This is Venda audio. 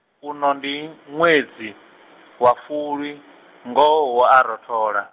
uno ndi ṅwedzi, wa fulwi, ngoho hu a rothola.